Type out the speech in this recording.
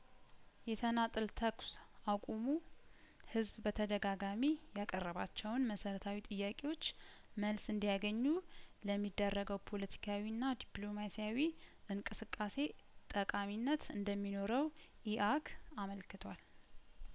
የተናጥል ተኩስ አቁሙ ህዝብ በተደጋጋሚ ያቀረ ባቸውን መሰረታዊ ጥያቄዎች መልስ እንዲያገኙ ለሚደረገው ፖለቲካዊና ዲፕሎማሲያዊ እንቅስቃሴ ጠቃሚነት እንደሚኖረው ኢአግ አመልክቷል